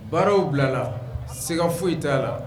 Baaraw bilala seiga foyi t'a la